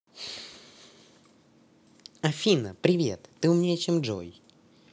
афина привет ты умнее чем джой